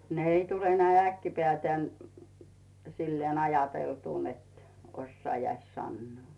ne ei tule näin äkkipäätään sillä lailla ajateltua että osaisi sanoa